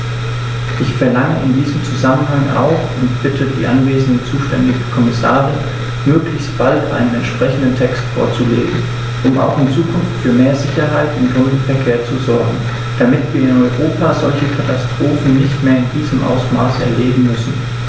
Ich verlange in diesem Zusammenhang auch und bitte die anwesende zuständige Kommissarin, möglichst bald einen entsprechenden Text vorzulegen, um auch in Zukunft für mehr Sicherheit im Tunnelverkehr zu sorgen, damit wir in Europa solche Katastrophen nicht mehr in diesem Ausmaß erleben müssen!